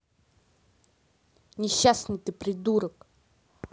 несчастный ты придурок